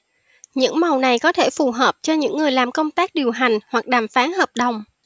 những màu này có thể phù hợp cho những người làm công tác điều hành hoặc đàm phán hợp đồng